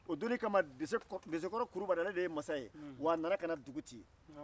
o donnin kama desekɔrɔ kulubali ale de masa ya wa a nana ka na dugu ci